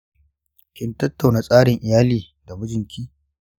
kin tattauna tsarin iyali da mijinki?